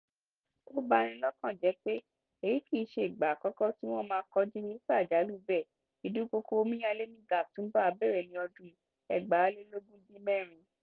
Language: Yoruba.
Ó ba ni lọ́kàn jẹ́ pé, èyí kìí ṣe ìgbà àkọ́kọ́ tí wọ́n máa kọjú irúfẹ́ àjálù bẹ́ẹ̀: ìdúnkòokò omíyalé ní Gatumba bẹ̀rẹ̀ ní ọdún 2016.